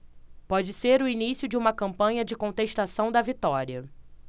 pode ser o início de uma campanha de contestação da vitória